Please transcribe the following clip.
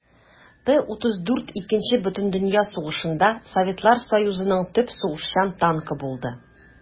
Т-34 Икенче бөтендөнья сугышында Советлар Союзының төп сугышчан танкы булды.